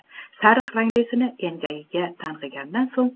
sariq ranglisini engagiga tang'iganidan so'ng